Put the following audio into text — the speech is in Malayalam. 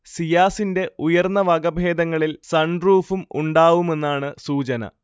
സിയാസിന്റെ ഉയർന്ന വകഭേദങ്ങളിൽ സൺറൂഫും ഉണ്ടാവുമെന്നാണ് സൂചന